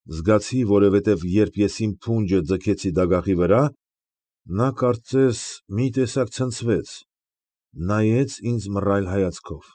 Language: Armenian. Զգացի, որովհետև, երբ ես իմ փունջը ձգեցի դագաղի վրա, նա, կարծես մի տեսակ ցնցվեց, նայեց ինձ մռայլ հայացքով։